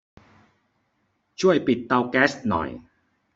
ช่วยปิดเตาแก๊สหน่อย